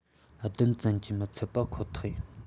བདུན ཙམ གྱིས མི ཚད པ ཁོ ཐག ཡིན